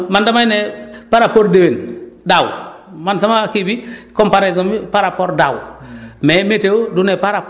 normal bi mooy lan lan loolu mooy man damay ne par rapport déwén daaw man sama kii bi comparaison bi par rapport daaw